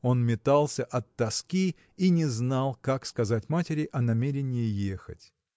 Он метался от тоски и не знал, как сказать матери о намерении ехать.